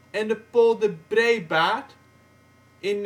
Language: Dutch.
en de polder Breebaart (1979